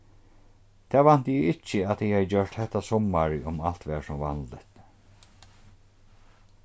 tað vænti eg ikki at eg hevði gjørt hetta summarið um alt var sum vanligt